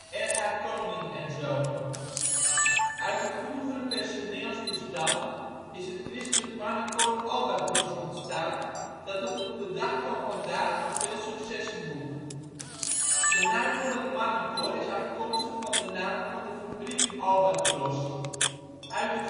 R.H. Koning & Zn. Uit het vroegere personeelsbestand is het Chr. Mannenkoor " Albatros " ontstaan, dat tot op de dag van vandaag nog veel successen boekt. De naam van het mannenkoor is afkomstig van de naam van de fabriek " Albatros ". Uit de